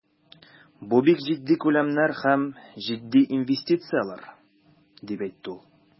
Бу бик җитди күләмнәр һәм җитди инвестицияләр, дип әйтте ул.